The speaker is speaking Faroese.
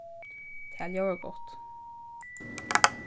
tað ljóðar gott